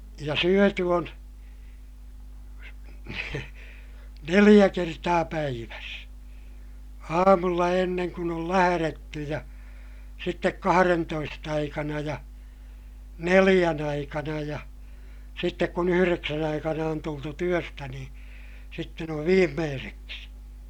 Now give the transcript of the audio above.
ja syöty on neljä kertaa päivässä aamulla ennen kuin on lähdetty ja sitten kahdentoista aikana ja neljän aikana ja sitten kun yhdeksän aikana on tultu työstä niin sitten on viimeiseksi